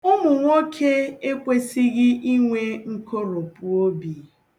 Ụmụnwoke ekwesịghị inwe nkoropụobi.